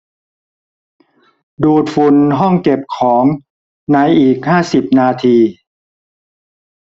ดูดฝุ่นห้องเก็บของในอีกห้าสิบนาที